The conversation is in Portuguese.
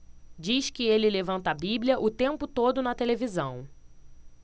diz que ele levanta a bíblia o tempo todo na televisão